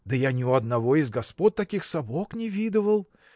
да я ни у одного из господ таких сапог не видывал.